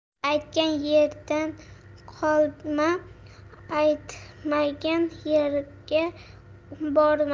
aytgan yerdan qolma aytmagan yerga borma